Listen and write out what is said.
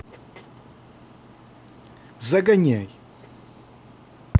загоняй